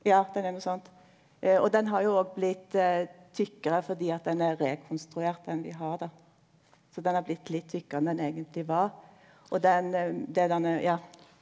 ja den er noko sånt og den har jo òg blitt tjukkare fordi at den er rekonstruert den vi har då, så den har blitt litt tjukkare enn den eigentleg var og den det derne ja.